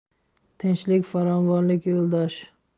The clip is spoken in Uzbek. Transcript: tinchlik farovonlik yo'ldoshi